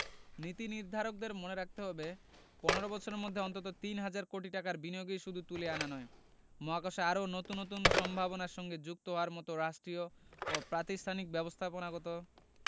নীতিনির্ধারকদের মনে রাখতে হবে ১৫ বছরের মধ্যে অন্তত তিন হাজার কোটি টাকার বিনিয়োগই শুধু তুলে আনা নয় মহাকাশে আরও নতুন নতুন সম্ভাবনার সঙ্গে যুক্ত হওয়ার মতো রাষ্ট্রীয় ও প্রাতিষ্ঠানিক ব্যবস্থাপনাগত